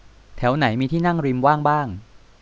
แถวไหนมีที่นั่งริมว่างบ้าง